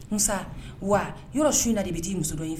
Musa wa, yɔrɔ su in na de i bɛ t'i muso dɔ in fɛ?